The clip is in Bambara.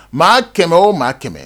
Maa kɛmɛ o maa kɛmɛ